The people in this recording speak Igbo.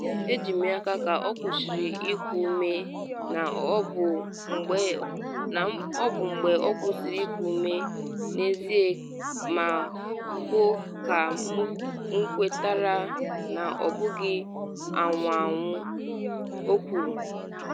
“Eji m ya aka ka ọ kwụsịrị iku ume na ọ bụ mgbe ọ kwụsịrị iku ume n’ezie ma nwụọ ka M kwetara na ọ bụghị anwụ anwụ,” o kwuru.